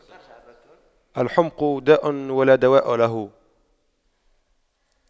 الحُمْقُ داء ولا دواء له